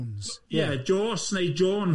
Ie, Jôs neu Jones.